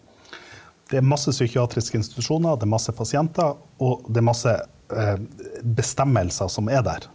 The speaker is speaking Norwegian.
det er masse psykiatriske institusjoner, det er masse pasienter og det er masse bestemmelser som er der.